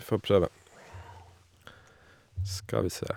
Får prøve Skal vi se.